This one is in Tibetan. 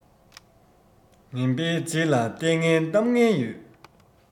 ངན པའི རྗེས ལ ལྟས ངན གཏམ ངན ཡོད